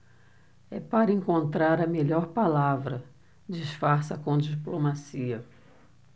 é para encontrar a melhor palavra disfarça com diplomacia